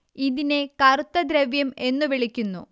ഇതിനെ കറുത്ത ദ്രവ്യം എന്നു വിളിക്കുന്നു